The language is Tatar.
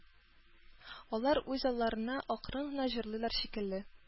Алар үз алларына акрын гына җырлыйлар шикелле